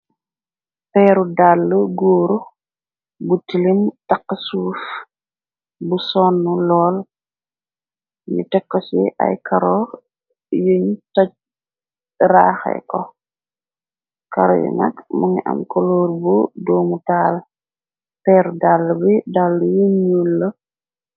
Peeru dàll góuru bu tilin taxx suuf bu sonnu lool ñu tekko ci ay karo yuñu taj raaxe ko karo yu nag mu ngi am koloor bu doomu taal peeru dall bi dall yu ñulla.